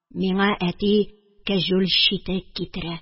Миңа әти кәҗүл читек китерә...